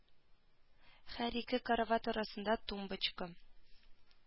Һәр ике карават арасында тумбочка